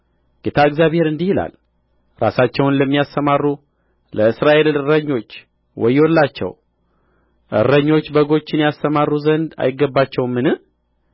ጌታ እግዚአብሔር እንዲህ ይላል ራሳቸውን ለሚያሰማሩ ለእስራኤል እረኞች ወዮላቸው እረኞች በጎችን ያሰማሩ ዘንድ አይገባቸውምን